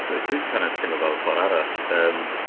Dwi dwi kinda teimlo fel ffor' arall yym...